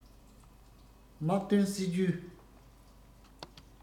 དམག དོན སྲིད ཇུས